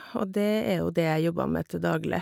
Og det er jo det jeg jobber med til daglig.